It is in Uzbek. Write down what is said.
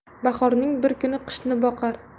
bahorning bir kuni qishni boqar